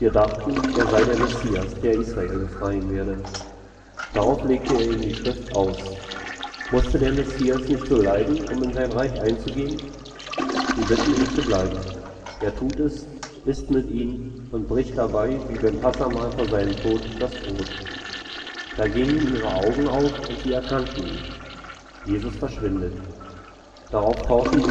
dachten, er sei der (Messias), der Israel befreien werde. Darauf legt er ihnen die Schrift aus: Musste der Messias nicht so leiden, um in sein Reich einzugehen? Sie bitten ihn, zu bleiben. Er tut es, isst mit ihnen und bricht dabei wie beim Passahmahl vor seinem Tod das Brot. Da gingen ihre Augen auf, und sie erkannten ihn. Jesus verschwindet. Darauf tauschen